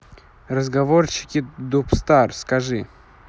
разговорчики dubstar скажи